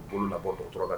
Minnu nna bɔ dɔgɔtɔrɔ la bi